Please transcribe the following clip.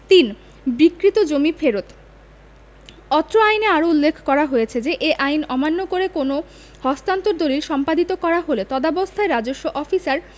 ৩ বিক্রীত জমি ফেরত অত্র আইনে আরো উল্লেখ করা হয়েছে যে এ আইন অমান্য করে কোনও হস্তান্তর দলিল সম্পাদিত করা হলে তদবস্থায় রাজস্ব অফিসার